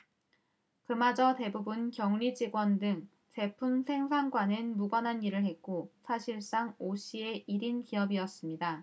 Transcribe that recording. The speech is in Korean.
그마저 대부분 경리직원 등 제품 생산과는 무관한 일을 했고 사실상 오 씨의 일 인 기업이었습니다